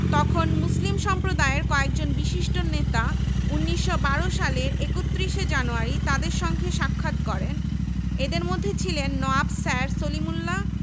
তখন মুসলিম সম্প্রদায়ের কয়েকজন বিশিষ্ট নেতা ১৯১২ সালের ৩১ শে জানুয়ারি তাঁর সঙ্গে সাক্ষাৎ করেন এঁদের মধ্যে ছিলেন নওয়াব স্যার সলিমুল্লাহ